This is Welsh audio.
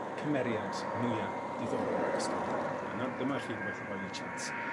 cymeriad mwya diddorol y stori? A nawr dyma chi rwbeth i rhoi yn y chat